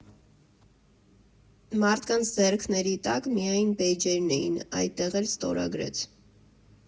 Մարդկանց ձեռքների տակ միայն բեյջերն էին, այդտեղ էլ ստորագրեց։